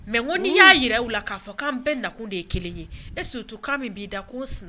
Mɛ ko n'i y'a jira u la k'a fɔ k'an bɛɛ nakun de ye kelen ye e to' min b'i da ko